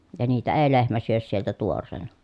ja niitä ei lehmä syö sieltä tuoreena